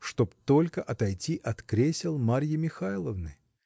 чтоб только отойти от кресел Марьи Михайловны!